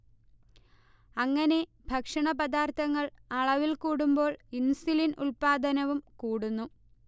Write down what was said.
അങ്ങനെ ഭക്ഷണപദാർഥങ്ങൾ അളവിൽ കൂടുമ്പോൾ ഇൻസുലിൻ ഉത്പാദനവും കൂടുന്നു